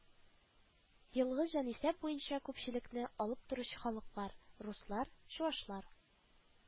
Елгы җанисәп буенча күпчелекне алып торучы халыклар: руслар , чуашлар